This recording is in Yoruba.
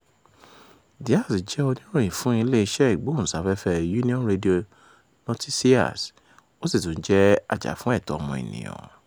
[Díaz] jẹ́ oníròyìn fún ilé iṣẹ́ ìgbóhùnsáfẹ́fẹ́ Unión Radio Noticias , ó sì tún jẹ́ ajàfúnẹ̀tọ́ ọmọnìyàn.